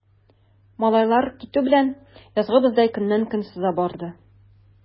Малайлар китү белән, язгы боздай көннән-көн сыза барды.